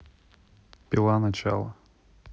пила начало